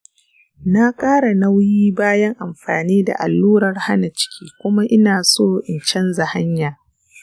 na ƙara nauyi bayan amfani da allurar hana ciki, kuma ina so in canza hanya.